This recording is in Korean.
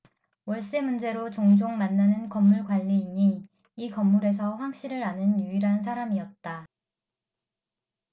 월세 문제로 종종 만나는 건물 관리인이 이 건물에서 황씨를 아는 유일한 사람이었다